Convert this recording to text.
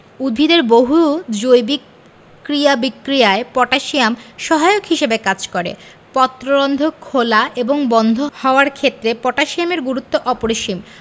উদ্ভিদের বহু জৈবিক ক্রিয়া বিক্রিয়ায় পটাশিয়াম সহায়ক হিসেবে কাজ করে পত্ররন্ধ্র খোলা এবং বন্ধ হওয়ার ক্ষেত্রে পটাশিয়ামের গুরুত্ব অপরিসীম